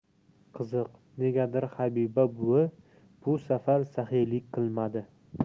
qiziq negadir habiba buvi bu safar saxiylik qilmadi